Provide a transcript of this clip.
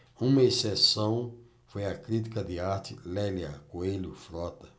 uma exceção foi a crítica de arte lélia coelho frota